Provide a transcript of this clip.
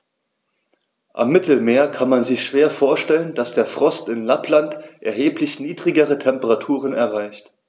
Am Mittelmeer kann man sich schwer vorstellen, dass der Frost in Lappland erheblich niedrigere Temperaturen erreicht.